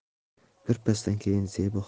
birpasdan keyin zebi